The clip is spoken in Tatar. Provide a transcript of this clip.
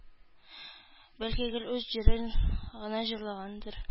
Бәлки, гел үз җырын гына җырлагандыр